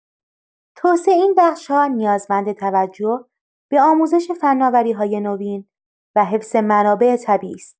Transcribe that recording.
توسعه این بخش‌ها نیازمند توجه به آموزش، فناوری‌های نوین و حفظ منابع طبیعی است.